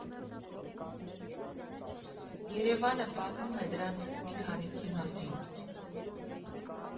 ԵՐԵՎԱՆը պատմում է դրանցից մի քանիսի մասին։